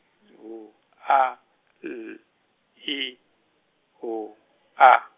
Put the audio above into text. H A L I H A.